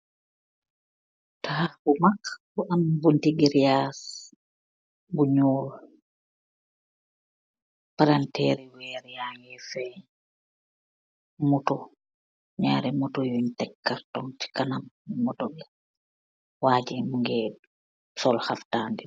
Tahh bu mag bu am bonte gereyass bu njol, palanterr ye werr yagi feng, motor nyari motor yun tek cartoon se kanam motor bi waji muge sul heftan de.